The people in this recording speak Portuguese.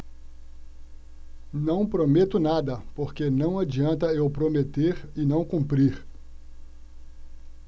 não prometo nada porque não adianta eu prometer e não cumprir